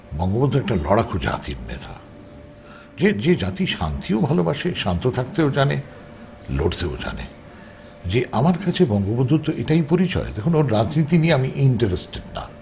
বঙ্গবন্ধু একটা লড়াকু জাতির নেতা যে জাতির শান্তি ও ভালোবাসা শান্ত থাকতে ও জানে লড়তেও জানে যে আমার কাছে বঙ্গবন্ধুর তো এটাই পরিচয় দেখুন ও রাজনীতি নিয়ে আমি ইন্টারেস্টেড না